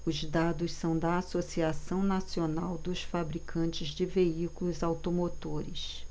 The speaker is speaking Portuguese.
os dados são da anfavea associação nacional dos fabricantes de veículos automotores